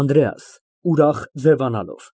ԱՆԴՐԵԱՍ ֊ (Ուրախ ձևանալով)։